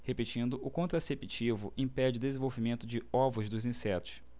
o contraceptivo impede o desenvolvimento de ovos dos insetos